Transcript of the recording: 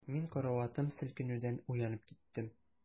Мин караватым селкенүдән уянып киттем.